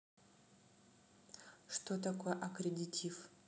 что такое аккредитив